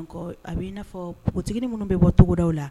A bɛi n'a fɔ npogotigi minnu bɛ bɔ cogoda la